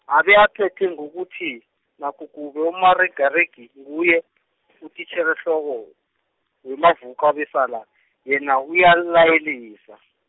abe aphethe ngokuthi, nakukube uMarikiriki nguye, utitjherehloko, weMavukabesala, yena uyalayelisa.